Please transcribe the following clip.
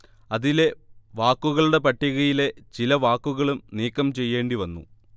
അതിലെ വാക്കുകളുടെ പട്ടികയിലെ ചില വാക്കുകളും നീക്കം ചെയ്യേണ്ടി വന്നു